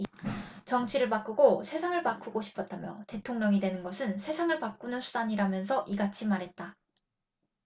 정치를 바꾸고 세상을 바꾸고 싶었다며 대통령이 되는 것은 세상을 바꾸는 수단이라면서 이같이 말했다